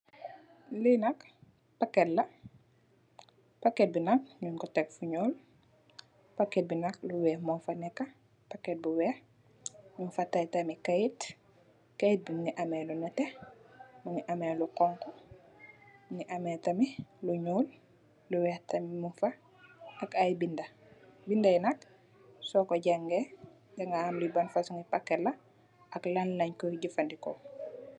Lii nk paketla paket be nk ngko tak fou nuul paket bi nk lu wax mu faneka ng fa tak tame paket bu wax mu gi amhi kaeti bu .